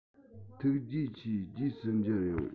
ཐུགས རྗེ ཆེ རྗེས སུ མཇལ ཡོང